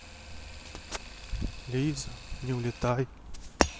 лиза не улетай